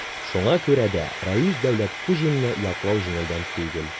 Шуңа күрә дә Рәис Дәүләткуҗинны яклау җиңелдән түгел.